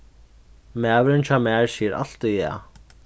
maðurin hjá mær sigur altíð ja